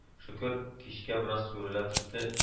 Шөкер, кичкә бераз сүрелә төште